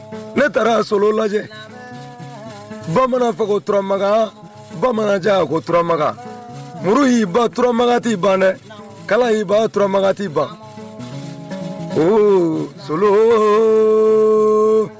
Ne taara so lajɛ bamanan ko turama bamanan kourama muru y'i ba turamati ban dɛ kala y'i ba turamagati ban o solon